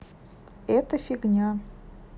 это фигня